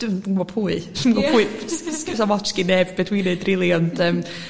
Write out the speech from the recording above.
dw- dwmbo pwy... dwi'm gwbo sa'm otch gin neb be dwi'n neud rili ond yym